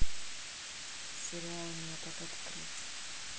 сериал метод открыть